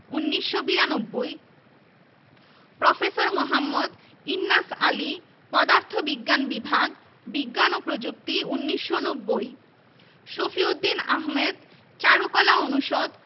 উনসত্তুরের গণঅভ্যুত্থান প্রাধান্য পেয়েছে এ ভাস্কর্যে এ ছাড়াও ঢাকা বিশ্ববিদ্যালয় ক্যাম্পাসে রয়েছে ঢাকা বিশ্ববিদ্যালয়ে সন্ত্রাসবিরোধী আন্দোলনে